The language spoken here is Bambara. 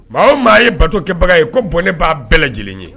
Maa o maa ye bato kɛbaga ye ko bɔnɛ b'a bɛɛ lajɛlen ye